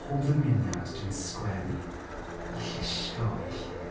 Pob ddymuniad dwi'n sgwennu yn llusgo i lle.